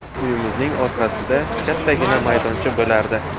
uyimizning orqasida kattagina maydoncha bo'lardi